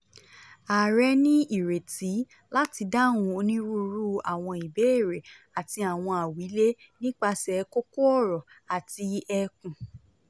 Ààrẹ ní ìrètí láti dáhùn onírúurú àwọn ìbéèrè àti àwọn àwílé nípasẹ̀ kókó-ọ̀rọ̀ àti ẹkùn.